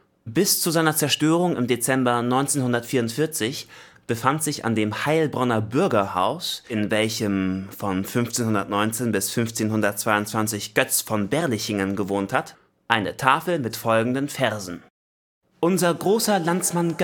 Bis zu seiner Zerstörung im Dezember 1944 befand sich an dem Heilbronner Bürgerhaus, in dem Götz von Berlichingen 1519 bis 1522 gewohnt hat, eine Tafel mit folgenden Versen: Unser großer Landsmann